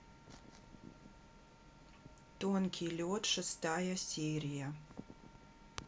тонкий лед шестая серия